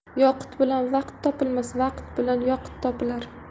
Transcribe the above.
yoqut bilan vaqt topilmas vaqt bilan yoqut topilar